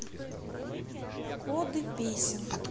коды песен